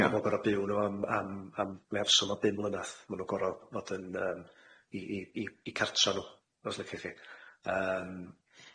Bo nw goro byw nw am am am 'answm o bum mlynadd ma' nw goro fod yn yym 'i 'i 'i 'i cartra nw os liciwch chi yym.